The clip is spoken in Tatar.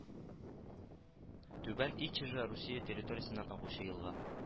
Түбән Ичежа Русия территориясеннән агучы елга